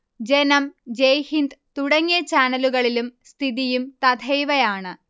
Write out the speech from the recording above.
ജനം, ജയ്ഹിന്ദ് തുടങ്ങിയ ചാനലുകളിലും സ്ഥിതിയും തഥൈവയാണ്